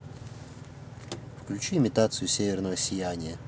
включи имитацию северного сияния